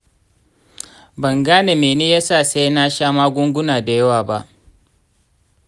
ban gane mene yasa sai na sha magunguna dayawa ba.